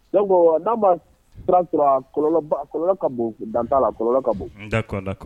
Ne ko n'a ma sira sɔrɔ a kɔlɔlɔ ba a kɔlɔlɔ ka bon dan t'a la a kɔlɔlɔ ka bon d'accord, d'accord